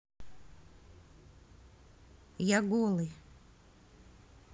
я голый